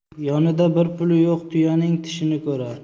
yonida bir puli yo'q tuyaning tishini ko'rar